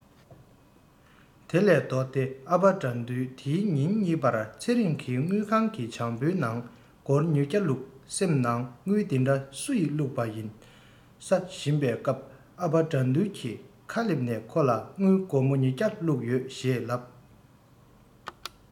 དེ ལས ལྡོག སྟེ ཨ ཕ དགྲ འདུལ དེའི ཉིན གཉིས པར ཚེ རིང གི དངུལ ཁང གི བྱང བུའི ནང སྒོར ཉི བརྒྱ བླུག སེམས ནང དངུལ འདི འདྲ སུ ཡི བླུག པ ཡིན ས བཞིན པའི སྐབས ཨ ཕ དགྲ འདུལ གྱི ཁ སླེབས ནས ཁོ ལ དངུལ སྒོར མོ ཉི བརྒྱ བླུག ཡོད ཞེས ལབ